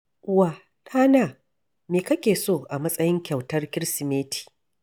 Uwa: ɗana, me kake so a matsayin kyautar Kirsimeti?